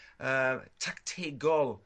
yy tactegol